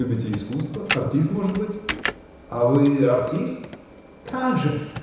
любите искусство: артист, может быть? — А вы. артист? — Как же!